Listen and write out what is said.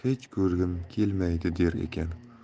hech ko'rgim kelmaydi der ekan